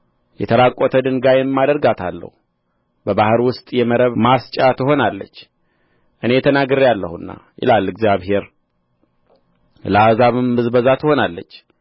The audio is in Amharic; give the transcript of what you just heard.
የተራቈተ ድንጋይም አደርጋታለሁ በባሕር ውስጥ የመረብ ማስጫ ትሆናለች እኔ ተናግሬአለሁና ይላል እግዚአብሔር ለአሕዛብም ብዝበዛ ትሆናለች